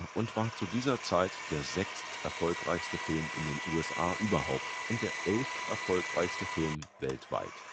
und war zu dieser Zeit der sechsterfolgreichste Film in den USA überhaupt und der elfterfolgreichste Film weltweit